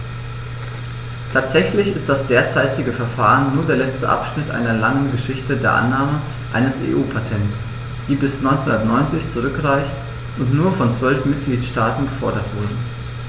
Tatsächlich ist das derzeitige Verfahren nur der letzte Abschnitt einer langen Geschichte der Annahme eines EU-Patents, die bis 1990 zurückreicht und nur von zwölf Mitgliedstaaten gefordert wurde.